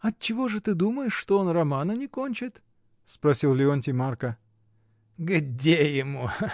— Отчего же ты думаешь, что он романа не кончит? — спросил Леонтий Марка. — Где ему!